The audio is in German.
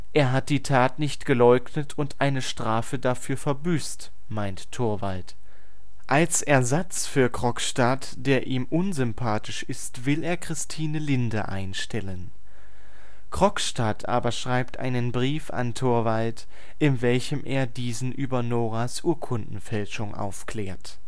Er hat die Tat nicht geleugnet und eine Strafe dafür verbüßt “, meint Torvald. Als Ersatz für Krogstad, der ihm unsympathisch ist, will er Christine Linde einstellen. Krogstad aber schreibt einen Brief an Torvald, in welchem er diesen über Noras Urkundenfälschung aufklärt